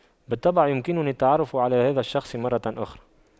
بالطبع يمكنني التعرف على هذا الشخص مرة أخرى